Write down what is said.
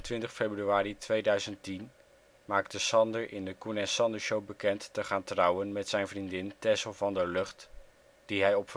25 februari 2010 maakte Sander in de Coen en Sander Show bekend te gaan trouwen met zijn vriendin Tessel van der Lugt, die hij op